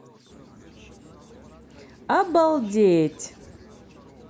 обалдеть